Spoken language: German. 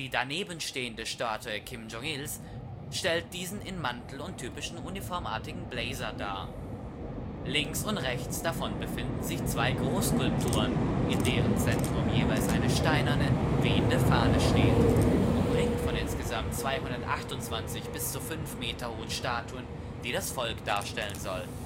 daneben stehende Statue Kim Jong-ils stellt diesen in Mantel und typischem uniformartigen Blazer dar. Links und rechts davon befinden sich zwei Großskulpturen, in deren Zentrum jeweils eine steinerne, wehende Fahne steht, umringt von insgesamt 228 bis zu fünf Meter hohen Statuen, die das Volk darstellen sollen